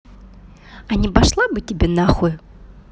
а не пошла бы тебе нахуй